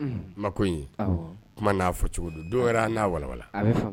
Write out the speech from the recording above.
Ma ko kuma n'a fɔ cogo don n'a wawa